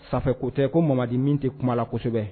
Sanfɛ kotɛ ko mamadi min tɛ kuma la kosɛbɛ